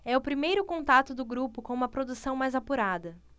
é o primeiro contato do grupo com uma produção mais apurada